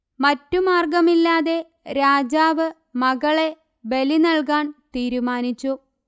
മറ്റു മാർഗ്ഗമില്ലാതെ രാജാവ് മകളെ ബലി നൽകാൻ തീരുമാനിച്ചു